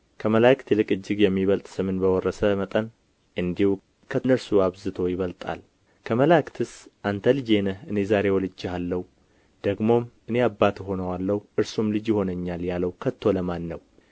ከመላእክት ይልቅ እጅግ የሚበልጥ ስምን በወረሰ መጠን እንዲሁ ከእነርሱ አብዝቶ ይበልጣል ከመላእክትስ አንተ ልጄ ነህ እኔ ዛሬ ወልጄሃለሁ ደግሞም እኔ አባት እሆነዋለሁ እርሱም ልጅ ይሆነኛል ያለው ከቶ ለማን ነው